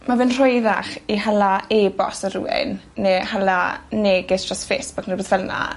Ma' fe'n rhwyddach i hala ebost o rhywun ne' hala neges dros Facebook ne' rwbeth fel 'na